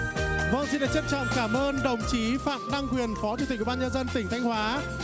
vâng xin được trân trọng cảm ơn đồng chí phạm đăng quyền phó chủ tịch ủy ban nhân dân tỉnh thanh hóa